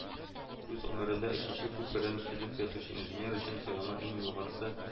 Үз гомерендә өченче күперен төзеп ятучы инженер өчен хыялның иң югарысы